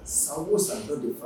San o san dɔ de bɛ faga